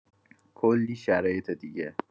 کلی شرایط دیگه